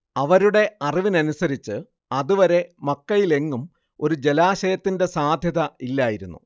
അവരുടെ അറിവനുസരിച്ച് അത് വരെ മക്കയിലെങ്ങും ഒരു ജലാശയത്തിന്റെ സാധ്യത ഇല്ലായിരുന്നു